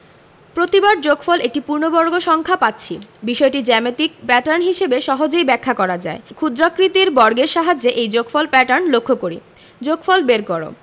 প্রতিবার যোগফল একটি পূর্ণবর্গ সংখ্যা পাচ্ছি বিষয়টি জ্যামিতিক প্যাটার্ন হিসেবে সহজেই ব্যাখ্যা করা যায় ক্ষুদ্রাকৃতির বর্গের সাহায্যে এই যোগফল প্যাটার্ন লক্ষ করি যোগফল বের করঃ